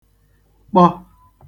kpọ